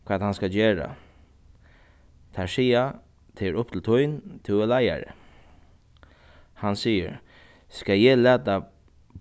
hvat hann skal gera teir siga tað er upp til tín tú ert leiðari hann sigur skal eg lata